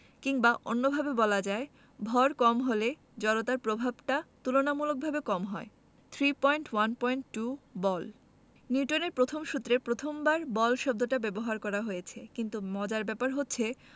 কিংবা অন্যভাবে বলা যায় ভর কম হলে জড়তার প্রভাবটা তুলনামূলকভাবে কম হয় 3.1.2 বল নিউটনের প্রথম সূত্রে প্রথমবার বল শব্দটা ব্যবহার করা হয়েছে কিন্তু মজার ব্যাপার হচ্ছে